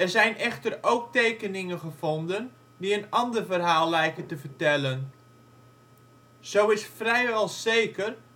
zijn echter ook tekeningen gevonden die een ander verhaal lijken te vertellen. Zo is vrijwel zeker